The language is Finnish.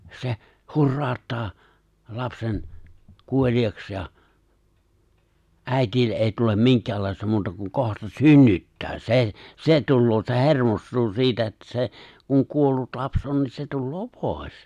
se hurauttaa lapsen kuoliaaksi ja äidille ei tule minkäänlaista muuta kuin kohta synnyttää se se tulee se hermostuu siitä että se kun kuollut lapsi on niin se tulee pois